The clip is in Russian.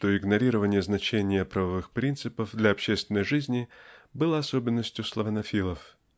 что игнорирование значения правовых принципов для общественной жизни был особенностью славянофилов.